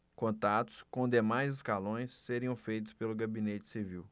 contatos com demais escalões seriam feitos pelo gabinete civil